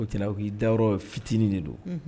O tɛna o k'i dayɔrɔ fitinin de don, unhun